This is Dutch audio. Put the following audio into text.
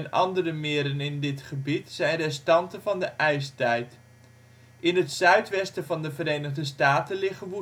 andere meren in dit gebied zijn restanten van de ijzige meren. In het zuidwesten van de Verenigde Staten liggen